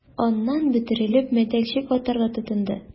Аннан, бөтерелеп, мәтәлчек атарга тотынды...